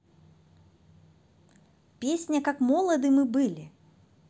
песня как молоды мы были